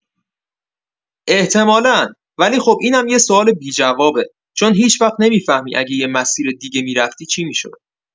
احتمالا، ولی خب اینم یه سوال بی‌جوابه، چون هیچ‌وقت نمی‌فهمی اگه یه مسیر دیگه می‌رفتی چی می‌شد.